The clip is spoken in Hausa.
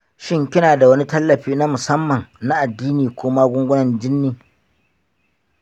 shin kina da wani tallafi na musamman na addini ko magungunan jinni?